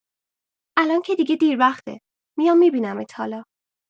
الان که دیگه دیروقته، میام میبینمت حالا.